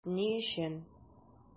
Ни өчен?